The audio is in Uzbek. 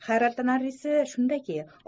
hayratlanarlisi shundaki